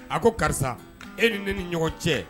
A ko karisa e ni ne ni ɲɔgɔn cɛ